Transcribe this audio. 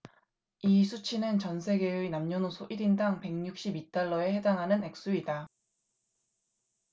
이 수치는 전 세계의 남녀노소 일 인당 백 육십 이 달러에 해당하는 액수이다